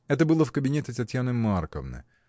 Это было в кабинете Татьяны Марковны.